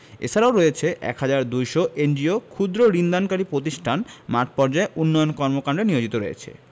এছাড়াও প্রায় ১ হাজার ২০০ এনজিও ক্ষুদ্র্ ঋণ দানকারী প্রতিষ্ঠান মাঠপর্যায়ে উন্নয়ন কর্মকান্ডে নিয়োজিত রয়েছে